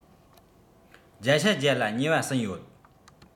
རྒྱ ཆ རྒྱ ལ ཉེ བ ཟིན ཡོད